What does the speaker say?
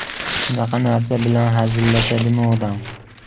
shunaqa narsa bilan hazillashadimi odam